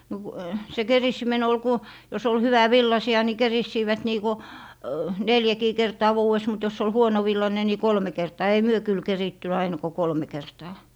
no kun se keritseminen oli kun jos oli hyvävillaisia niin keritsivät niin kuin neljäkin kertaa vuodessa mutta jos oli huonovillainen niin kolme kertaa ei me kyllä keritty aina kuin kolme kertaa